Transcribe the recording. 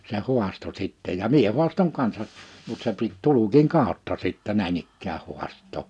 se haastoi sitten ja minä haastoin kanssa mutta se piti tulkin kautta sitten näin ikään haastaa